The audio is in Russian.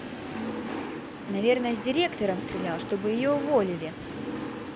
наверное с директором стрелял чтобы ее уволили